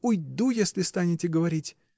— Уйду, если станете говорить.